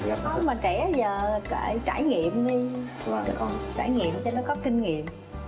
không mà trẻ giờ kệ trải nghiệm đi trải nghiệm cho nó có kinh nghiệm